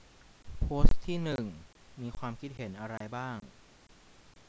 โพสต์ที่หนึ่งมีความคิดเห็นอะไรบ้าง